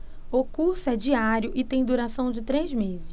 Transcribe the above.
o curso é diário e tem duração de três meses